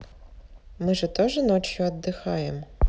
мы же тоже ночью отдыхаем